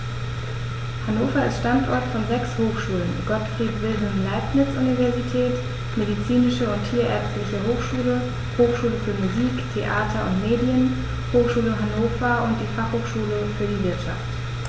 Hannover ist Standort von sechs Hochschulen: Gottfried Wilhelm Leibniz Universität, Medizinische und Tierärztliche Hochschule, Hochschule für Musik, Theater und Medien, Hochschule Hannover und die Fachhochschule für die Wirtschaft.